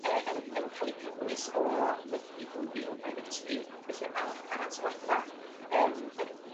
yrr yn yn ca'l 'u cynnwys o Medi dwy fil a dau ddeg tri, felly ma'r paratoada' yrm yn